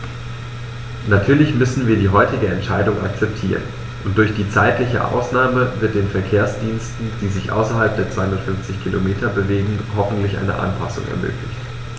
Natürlich müssen wir die heutige Entscheidung akzeptieren, und durch die zeitliche Ausnahme wird den Verkehrsdiensten, die sich außerhalb der 250 Kilometer bewegen, hoffentlich eine Anpassung ermöglicht.